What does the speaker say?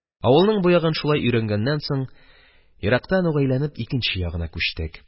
Авылның бу ягын шулай өйрәнгәннән соң, ерактан ук әйләнеп, икенче ягына күчтек.